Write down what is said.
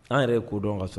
N' yɛrɛ ye kodɔn ka sɔrɔ